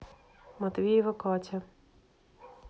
матвеева катя